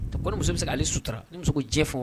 A ko ni muso bɛ se' ale sutura muso cɛ fɔ